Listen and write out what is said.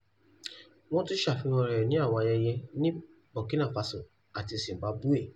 Wọ́n tún ṣe àfihàn rẹ̀ ní àwọn ayẹyẹ ní Burkina Faso àti Zimbabwe.